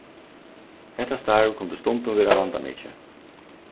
hetta starv kundi stundum vera vandamikið